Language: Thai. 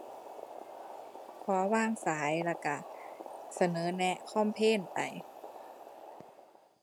ขอวางสาย แล้วก็เสนอแนะ คอมเพลนไป